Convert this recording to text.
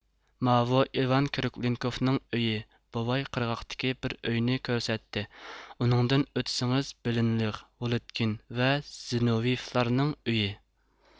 ماۋۇ ئېۋان كروكلىنكوفنىڭ ئۆيى بوۋاي قىرغاقتىكى بىر ئۆينى كۆرسەتتى ئۇنىڭدىن ئۆتسىڭىز بېلىنلېغ ۋولودكىن ۋە زنوۋيېفلارنىڭ ئۆيى